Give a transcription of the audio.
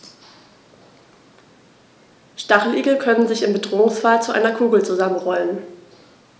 Stacheligel können sich im Bedrohungsfall zu einer Kugel zusammenrollen.